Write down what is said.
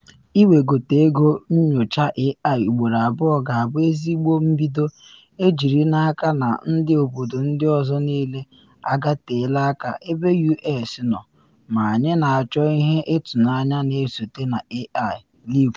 “Iwegote ego nnyocha AI ugboro abụọ ga-abụ ezigbo mbido, ejiri n’aka na ndị obodo ndị ọzọ niile agateela aka ebe U.S. nọ, ma anyị na achọ ihe ịtụnanya na esote na AI,” Lee kwuru.